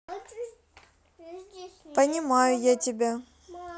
понимаю я тебя